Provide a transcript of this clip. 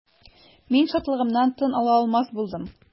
Мин шатлыгымнан тын ала алмас булдым.